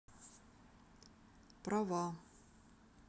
права